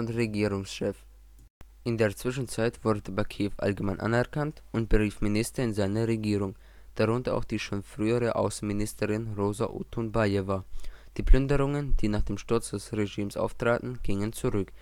Regierungschef. In der Zwischenzeit wurde Bakijew allgemein anerkannt und berief Minister in seine Regierung, darunter auch die schon frühere Außenministerin Rosa Otunbajewa. Die Plünderungen, die nach dem Sturz des Regimes auftraten, gingen zurück